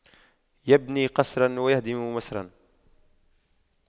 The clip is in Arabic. يبني قصراً ويهدم مصراً